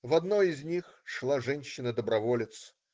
В одной из них шла женщина-доброволец.